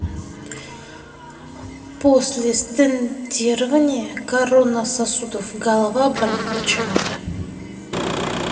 после стентирования коронных сосудов голова болит почему